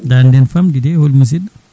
dande nde ne famɗi de hol musidɗo